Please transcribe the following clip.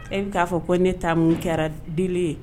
E bɛ k'a fɔ ko ne ta mun kɛra deli ye